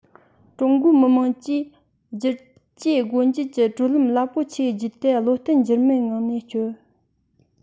ཀྲུང གོའི མི དམངས ཀྱིས བསྒྱུར བཅོས སྒོ འབྱེད ཀྱི བགྲོད ལམ རླབས པོ ཆེ བརྒྱུད དེ བློ བརྟན འགྱུར མེད ངང ནས བསྐྱོད